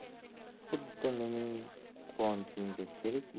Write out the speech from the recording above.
xuddi mening quvonchimga sherik